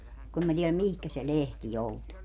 kun en minä tiedä mihin se lehti joutui